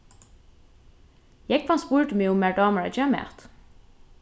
jógvan spurdi meg um mær dámar at gera mat